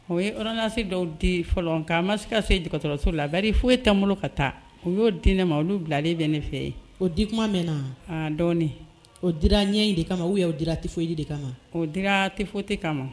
O ye lase dɔw di fɔlɔ ka ma se ka se dɔgɔtɔrɔso la a bɛri foyi ye ta bolo ka taa u y'o di ne ma olu bilalen bɛ ne fɛ o di tuma min na dɔɔnin o di ɲɛ de kama u y'aw di tɛ foyi de kama ma o di tɛ foyi te kama ma